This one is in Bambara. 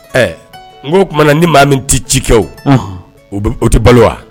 Ɛɛ n ko o tumaumana ni maa min tɛ ci kɛ o o o tɛ balo wa